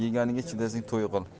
yeganiga chidasang to'y qil